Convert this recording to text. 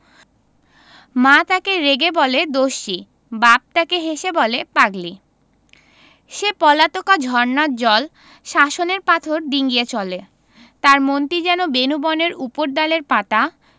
মা তাকে রেগে বলে দস্যি বাপ তাকে হেসে বলে পাগলি সে পলাতকা ঝরনার জল শাসনের পাথর ডিঙ্গিয়ে চলে তার মনটি যেন বেনূবনের উপরডালের পাতা